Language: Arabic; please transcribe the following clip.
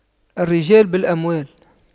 الرجال بالأموال